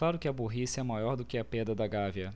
claro que a burrice é maior do que a pedra da gávea